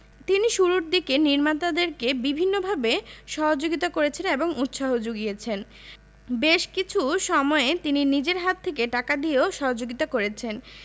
তিনি শুরুর দিকে নির্মাতাদেরকে বিভিন্নভাবে সহযোগিতা করেছেন এবং উৎসাহ যুগিয়েছেন বেশ কিছু সময়ে তিনি নিজের হাত থেকে টাকা দিয়েও সহযোগিতা করেছেন